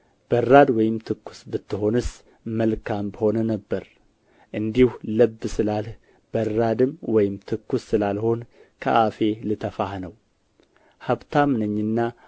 በራድ ወይም ትኩስ እንዳይደለህ ሥራህን አውቃለሁ በራድ ወይም ትኩስ ብትሆንስ መልካም በሆነ ነበር እንዲሁ ለብ ስላልህ በራድም ወይም ትኩስ ስላልሆንህ ከአፌ ልተፋህ ነው ሀብታም ነኝና